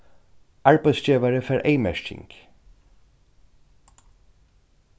arbeiðsgevari fær eyðmerking